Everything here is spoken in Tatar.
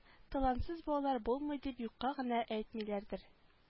Талантсыз балалар булмый дип юкка гына әйтмиләрдер